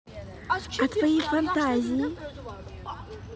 а твои фантазии